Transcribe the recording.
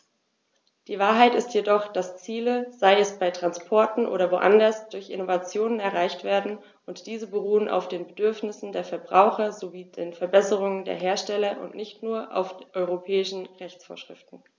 Die Wahrheit ist jedoch, dass Ziele, sei es bei Transportern oder woanders, durch Innovationen erreicht werden, und diese beruhen auf den Bedürfnissen der Verbraucher sowie den Verbesserungen der Hersteller und nicht nur auf europäischen Rechtsvorschriften.